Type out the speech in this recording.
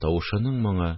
Тавышының моңы